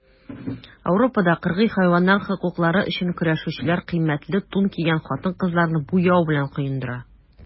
Ауропада кыргый хайваннар хокуклары өчен көрәшүчеләр кыйммәтле тун кигән хатын-кызларны буяу белән коендыра.